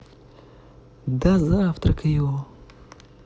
да завтракаю